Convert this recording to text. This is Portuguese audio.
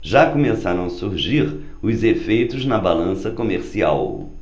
já começam a surgir os efeitos na balança comercial